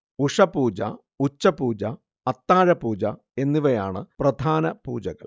ഉഷഃപൂജ, ഉച്ചപൂജ, അത്താഴപൂജ എന്നിവയാണ് പ്രധാന പൂജകൾ